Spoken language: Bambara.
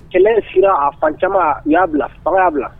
Kɛlɛ sera a fan caman y'a bila fanga'a bila